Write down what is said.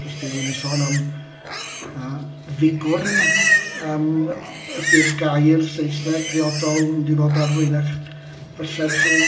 Os ydy rhywun yn sôn am yy figwrn yym ydy'r gair Saesneg briodol yn mynd i fod ar flaenau eich bysedd chi.